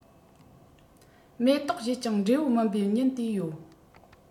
མེ ཏོག བཞད ཅིང འབྲས བུ སྨིན པའི ཉིན དེ ཡོད